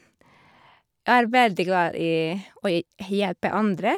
Er veldig glad i å i hjelpe andre.